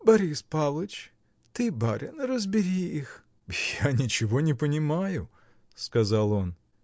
— Борис Павлыч, ты барин, разбери их! — Я ничего не понимаю! — сказал он.